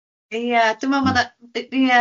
Ia, dwi'n meddwl mae na ia,